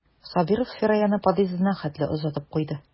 Сабиров Фираяны подъездына хәтле озатып куйды.